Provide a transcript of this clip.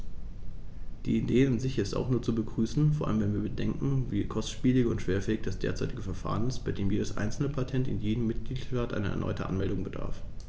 Die Idee an sich ist nur zu begrüßen, vor allem wenn wir bedenken, wie kostspielig und schwerfällig das derzeitige Verfahren ist, bei dem jedes einzelne Patent in jedem Mitgliedstaat einer erneuten Anmeldung bedarf.